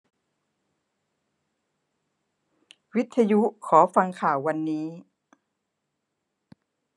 วิทยุขอฟังข่าววันนี้